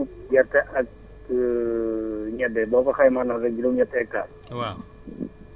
maanaam dugub gerte ak ñebe boo ko xaymaa noonu rekk dina nekk juróom-ñetti hectare